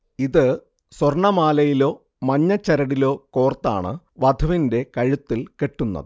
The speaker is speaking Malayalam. ഇത് സ്വർണമാലയിലോ മഞ്ഞച്ചരടിലോ കോർത്താണ് വധുവിന്റെ കഴുത്തിൽ കെട്ടുന്നത്